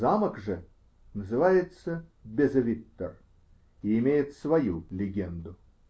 Замок же называется Безевиттер и имеет свою легенду.